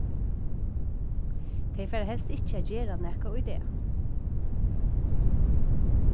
tey fara helst ikki at gera nakað í dag